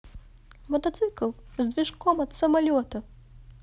мотоцикл с движком от самолета